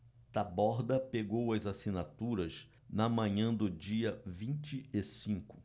taborda pegou as assinaturas na manhã do dia vinte e cinco